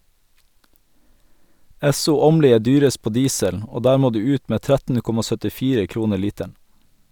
Esso Åmli er dyrest på diesel, og der må du ut med 13,74 kroner literen.